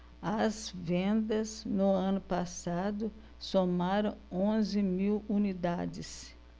as vendas no ano passado somaram onze mil unidades